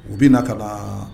U bɛna na ka